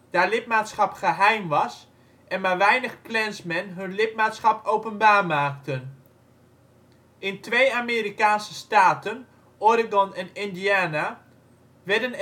daar lidmaatschap geheim was en maar weinig Klansmen hun lidmaatschap openbaar maakten. In twee Amerikaanse staten, Oregon en Indiana, werden